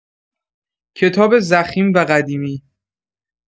کتاب ضخیم و قدیمی